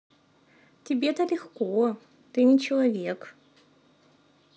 тебе то легко ты не человек